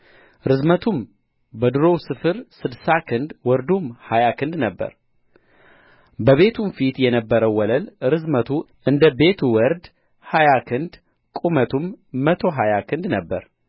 ርዝመቱም በዱሮው ስፍር ስድሳ ክንድ ወርዱም ሀያ ክንድ ነበረ በቤቱም ፊት የነበረው ወለል ርዝመቱ እንደ ቤቱ ወርድ ሀያ ክንድ ቁመቱም መቶ ሀያ ክንድ ነበረ